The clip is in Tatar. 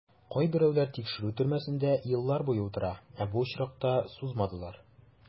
Кайберәүләр тикшерү төрмәсендә еллар буе утыра, ә бу очракта сузмадылар.